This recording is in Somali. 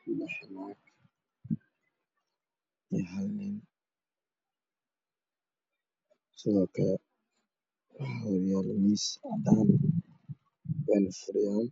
Seddex naag iyo hal nin waxaa horyaala miis cadaan ah wayna fadhiyaan.